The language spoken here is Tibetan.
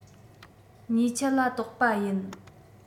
ཉེས ཆད ལ གཏོགས པ ཡིན